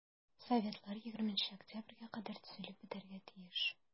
Советлар 20 октябрьгә кадәр төзелеп бетәргә тиеш.